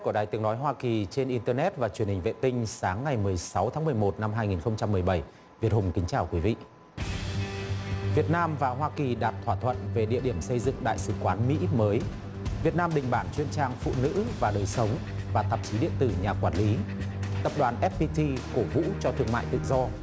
của đài tiếng nói hoa kỳ trên in tơ nét và truyền hình vệ tinh sáng ngày mười sáu tháng mười một năm hai nghìn không trăm mười bẩy việt hùng kính chào quý vị việt nam và hoa kỳ đạt thỏa thuận về địa điểm xây dựng đại sứ quán mỹ mới việt nam đình bản trên trang phụ nữ và đời sống và tạp chí điện tử nhà quản lý tập đoàn ép pi ti cổ vũ cho thương mại tự do